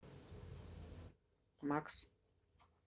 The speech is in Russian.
max